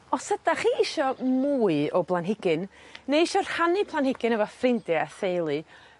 Os ydach chi isio mwy o blanhigyn neu isio rhannu planhigyn efo ffrindie a theulu